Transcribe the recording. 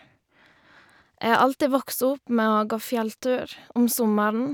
Jeg har alltid vokst opp med å gå fjelltur om sommeren.